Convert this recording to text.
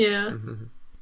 Ie. Mhm.